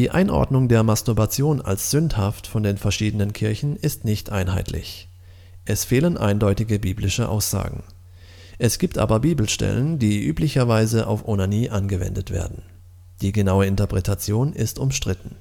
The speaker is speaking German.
Einordnung der Masturbation als sündhaft von den verschiedenen Kirchen ist nicht einheitlich. Es fehlen eindeutige biblische Aussagen. Es gibt aber Bibelstellen, die üblicherweise auf Onanie angewendet werden. Die genaue Interpretation ist umstritten